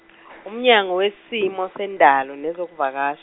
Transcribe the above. uMnyango wesimo seNdalo nezokuVakash-.